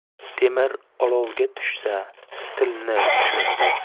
temir olovga tushsa tilni tushunadi